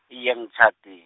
iye ngitjhadi-.